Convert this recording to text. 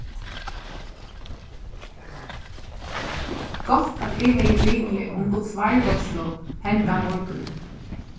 gott at eg hevði biðið um guds varðveitslu henda morgunin